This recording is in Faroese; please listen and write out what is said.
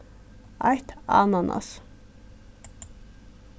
eitt ananas